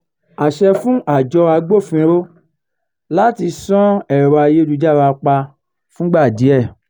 Àṣẹ fún Àjọ Agbófinró láti ṣán ẹ̀rọ ayélujára pa fúngbà díẹ̀